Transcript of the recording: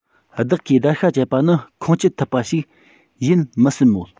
བདག གིས རྡར ཤ བཅད པ ནི ཁུངས སྐྱེལ ཐུབ པ ཞིག ཡིན མི སྲིད མོད